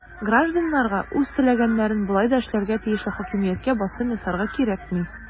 Гражданнарга үз теләгәннәрен болай да эшләргә тиешле хакимияткә басым ясарга кирәкми.